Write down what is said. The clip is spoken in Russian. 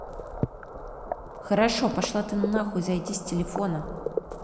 хорошо пошла ты нахуй и зайди с телефона